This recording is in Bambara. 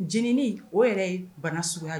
Jɛnini o yɛrɛ ye bana suguya